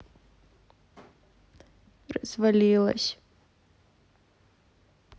развалилась